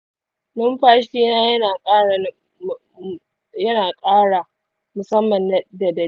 numfashi na yana ƙara musamman da daddare.